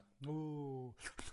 Mŵ!